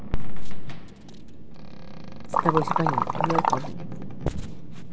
с тобой все понятно я ухожу